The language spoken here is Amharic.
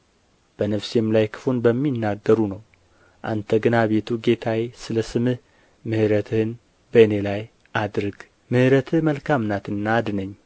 በነፍሴም ላይ ክፉን በሚናገሩ ነው አንተ ግን አቤቱ ጌታዬ ስለ ስምህ ምሕረትህን በእኔ ላይ አድርግ ምሕረትህ መልካም ናትና አድነኝ